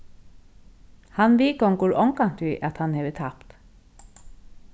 hann viðgongur ongantíð at hann hevur tapt